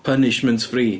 Punishment free?